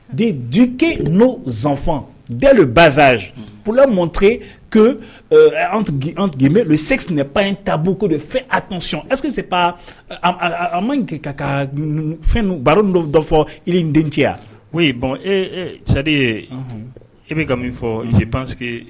De dukɛ n'o zanfa da baza pla mɔnte ko sina pan in taabolobu ko de fɛn asɔn quese pa a ma kɛ ka ka fɛn baro dɔ dɔ fɔ jiri dencɛya ko bɔn ee ca e bɛ ka min fɔz pan que